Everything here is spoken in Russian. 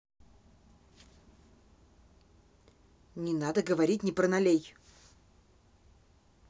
не надо говорить не про налей